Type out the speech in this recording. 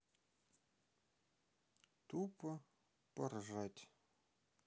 тупо поржать